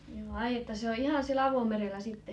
vai että se on ihan siellä avomerellä sitten